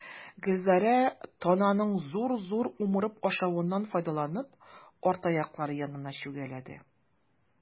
Гөлзәрә, тананың зур-зур умырып ашавыннан файдаланып, арт аяклары янына чүгәләде.